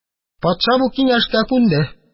Патша бу киңәшкә күнде.